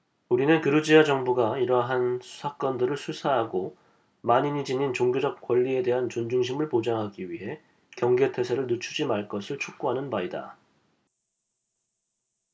우리는 그루지야 정부가 이러한 사건들을 수사하고 만인이 지닌 종교적 권리에 대한 존중심을 보장하기 위해 경계 태세를 늦추지 말 것을 촉구하는 바이다